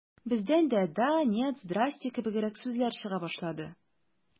Бездән дә «да», «нет», «здрасте» кебегрәк сүзләр чыга башлады.